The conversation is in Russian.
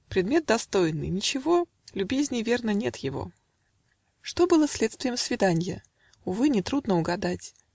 Предмет достойный: ничего Любезней, верно, нет его. Что было следствием свиданья? Увы, не трудно угадать!